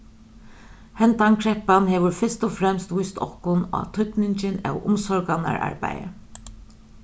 hendan kreppan hevur fyrst og fremst víst okkum á týdningin av umsorganararbeiði